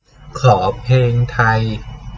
ขอเพลงไทย